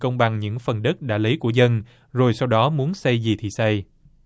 công bằng những phần đất đã lấy của dân rồi sau đó muốn xây gì thì xây